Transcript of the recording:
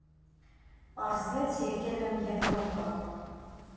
Պարզվեց՝ եկել եմ Եվրոպա։